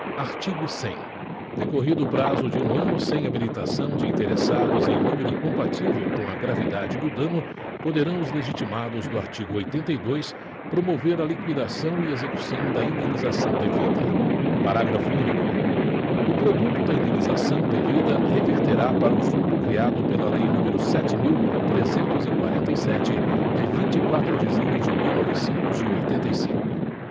artigo cem decorrido o prazo de um ano sem habilitação de interessados em número compatível com a gravidade do dano poderão os legitimados do artigo oitenta e dois promover a liquidação e execução da indenização devida parágrafo único o produto da indenização devida reverterá para o fundo criado pela lei número sete mil trezentos e quarenta e sete de vinte e quatro de julho de mil novecentos e oitenta e cinco